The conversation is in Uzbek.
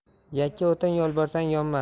yakka o'tin yolborsang yonmas